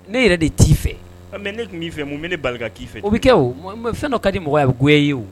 Ne yɛrɛ de ti fɛ . Mais ni ne kun bi fɛ , mun bɛ ne bali ka ki fɛ? O bi kɛ o fɛn dɔ ka di mɔgɔ ye, a bi goya i ye wo.